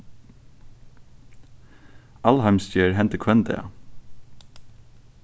alheimsgerð hendir hvønn dag